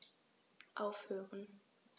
Aufhören.